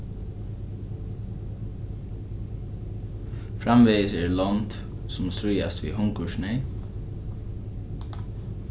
framvegis eru lond sum stríðast við hungursneyð